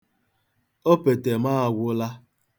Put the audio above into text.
Opete m agwụla.